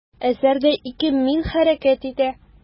Әсәрдә ике «мин» хәрәкәт итә.